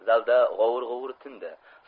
zalda g'ovur g'uvur tindi